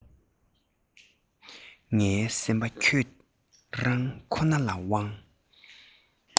ངའི སེམས པ ཁྱོད རང ཁོ ན ལ དབང